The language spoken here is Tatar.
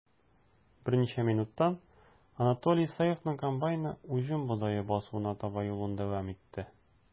Берничә минуттан Анатолий Исаевның комбайны уҗым бодае басуына таба юлын дәвам итте.